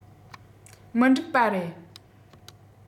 མི འགྲིག པ རེད